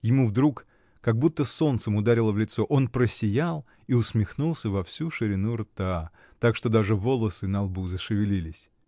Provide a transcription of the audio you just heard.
Ему вдруг как будто солнцем ударило в лицо: он просиял и усмехнулся во всю ширину рта, так что даже волосы на лбу зашевелились.